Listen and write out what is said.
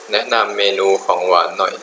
แนะนำเมนูของหวานหน่อย